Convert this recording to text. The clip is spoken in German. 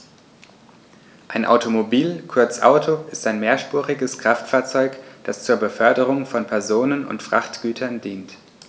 Ein Automobil, kurz Auto, ist ein mehrspuriges Kraftfahrzeug, das zur Beförderung von Personen und Frachtgütern dient.